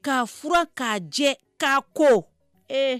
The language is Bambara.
Ka fura k' jɛ k' ko ee